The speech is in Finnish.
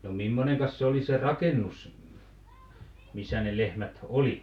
no mimmoinen se oli se rakennus missä ne lehmät oli